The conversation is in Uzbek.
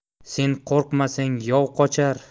sen qo'rqmasang yov qochar